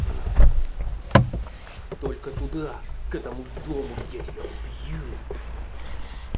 только туда к этому дому я тебя убью